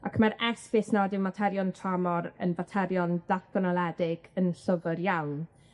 Ac mae'r esgus nad yw materion tramor yn faterion datganoledig yn llwfwr iawn,